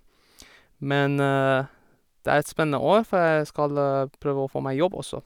Men det er et spennende år, for jeg skal p prøve å få meg jobb også.